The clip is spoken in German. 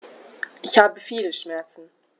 Ich habe viele Schmerzen.